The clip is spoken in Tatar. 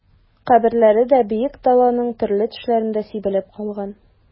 Каберләре дә Бөек Даланың төрле төшләрендә сибелеп калган...